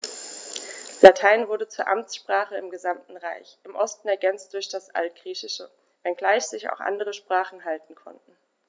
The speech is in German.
Latein wurde zur Amtssprache im gesamten Reich (im Osten ergänzt durch das Altgriechische), wenngleich sich auch andere Sprachen halten konnten.